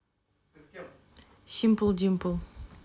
симпл димпл